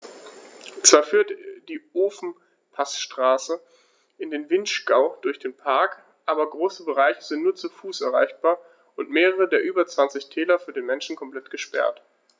Zwar führt die Ofenpassstraße in den Vinschgau durch den Park, aber große Bereiche sind nur zu Fuß erreichbar und mehrere der über 20 Täler für den Menschen komplett gesperrt.